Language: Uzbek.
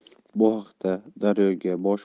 bu haqda daryo ga bosh